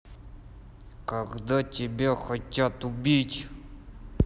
когда тебя хотят убить